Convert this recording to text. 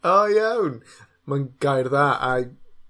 Oh iawn. Ma'n gair dda, a